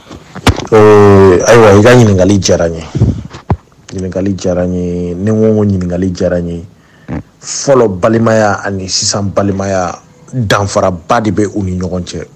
Ayiwa i ka ɲininkakali diyara n ye ɲininkakali diyara n ye ni ɲininkakali diyara ye fɔlɔ balimaya ani sisan balimaya danfaraba de bɛ u ni ɲɔgɔn cɛ